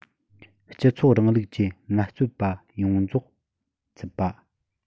སྤྱི ཚོགས རིང ལུགས ཀྱི ངལ རྩོལ པ ཡོངས རྫོགས ཚུད པ